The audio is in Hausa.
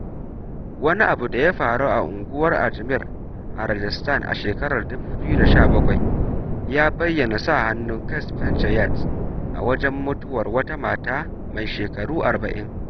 Wani abu da ya faru a unguwar Ajmer a Rajasthan a shekarar 2017 ya bayyana sa hannun caste panchayats a wajen mutuwar wata mata mai shekaru 40.